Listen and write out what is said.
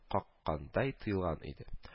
Каккандай тоелган иде